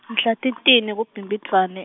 mhla titine kuBhimbidvwane.